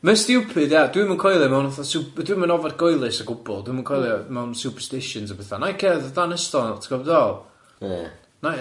Mae'n stiwpid, ia, dw i'm yn coelio mewn fatha sw- dw i'm yn ofergoelus o gwbl, dw i'm yn coelio mewn superstitions a petha, 'na i gerdded o dan ystol, ti 'bod be' dw i feddwl? Ie.